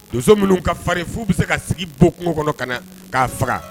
Donso minnu ka farin fo bɛ se ka sigi bɔ kungo kɔnɔ ka na k'a faga